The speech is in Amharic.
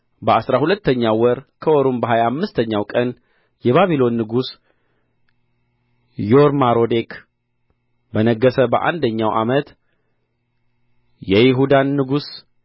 በአሥራ ሁለተኛው ወር ከወሩም በሀያ አምስተኛው ቀን የባቢሎን ንጉሥ ዮርማሮዴክ በነገሠ በአንደኛው ዓመት የይሁዳን ንጉሥ